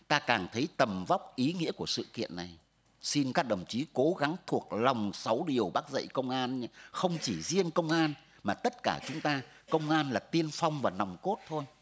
ta càng thấy tầm vóc ý nghĩa của sự kiện này xin các đồng chí cố gắng thuộc lòng sáu điều bác dạy công an không chỉ riêng công an mà tất cả chúng ta công an là tiên phong và nòng cốt thôi